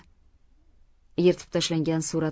yirtib tashlangan surat